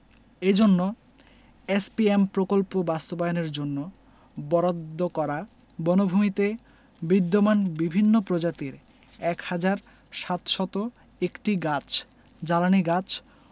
এজন্য এসপিএম প্রকল্প বাস্তবায়নের জন্য বরাদ্দ করা বনভূমিতে বিদ্যমান বিভিন্ন প্রজাতির ১ হাজার ৭০১টি গাছ জ্বালানি গাছ